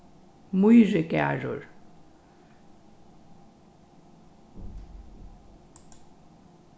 mýrigarður